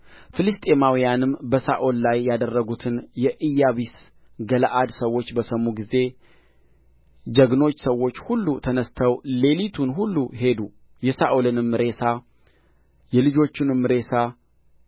ፍልስጥኤማውያንም በሳኦል ላይ ያደረጉትን የኢያቢስ ገለዓድ ሰዎች በሰሙ ጊዜ ጀግኖች ሰዎች ሁሉ ተነሥተው ሌሊቱን ሁሉ ሄዱ የሳኦልንም ሬሳ የልጆቹንም ሬሳ